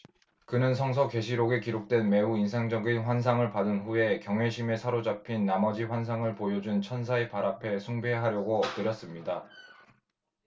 그는 성서 계시록에 기록된 매우 인상적인 환상을 받은 후에 경외심에 사로잡힌 나머지 환상을 보여 준 천사의 발 앞에 숭배하려고 엎드렸습니다